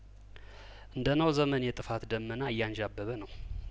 እንደ ኖህ ዘመን የጥፋት ደመና እያንዣበበነው